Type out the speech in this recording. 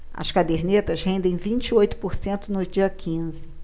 as cadernetas rendem vinte e oito por cento no dia quinze